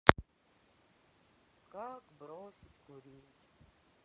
как бросить курить